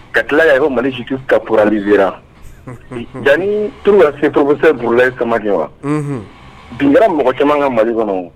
Ka tila a ko mali situ ka puranrali v dan t ka seorokisɛurula ye samajɔ wa dundara mɔgɔ caman ka mali kɔnɔ